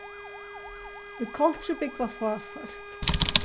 í koltri búgva fá fólk